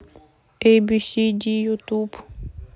эй би си ди ютуб